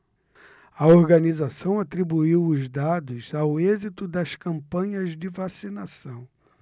a organização atribuiu os dados ao êxito das campanhas de vacinação